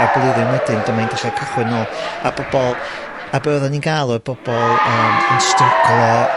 a blwyddyn wedyn, dyma 'i'n dechrau cychwyn nôl. A bobol, a be' oedden ni'n ga'l odd bobol, yym, yn stryglo...